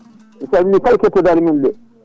mi salmini kala kettoɗo dandam nde